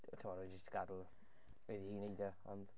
Chimod, wi jyst 'di gadael iddi hi wneud e, ond...